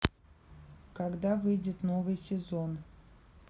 когда выйдет новый сезон